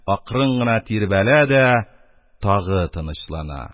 Акрын гына тирбәлә дә тагы тынычлана.